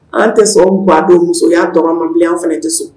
An tɛ sɔn'a don musoyaa tɔgɔ manbila fana tɛ so